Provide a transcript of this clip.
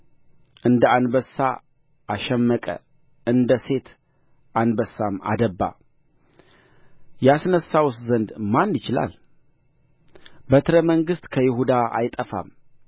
እንደ አንበሳ አሸመቀ እንደ ሴት አንበሳም አደባ ያስነሣውስ ዘንድ ማን ይችላል በትረ መንግሥት ከይሁዳ አይጠፋም